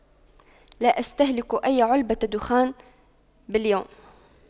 لا استهلك أي علبة دخان باليوم